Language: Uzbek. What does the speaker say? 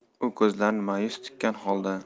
u ko'zlarini ma'yus tikkan holda